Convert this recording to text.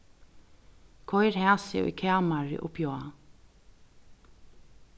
koyr hasi í kamarið uppi á